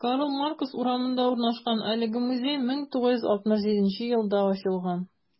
Карл Маркс урамында урнашкан әлеге музей 1967 елда ачылган.